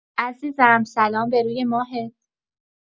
عزیزم سلام به روی ماهت.